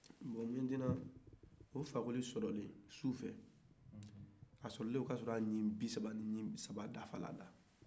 bon maintenant o fakoli sɔrɔla sufɛ a fɔrɔla k'a sɔrɔ a ɲin bisaba ni ɲin saba dafalen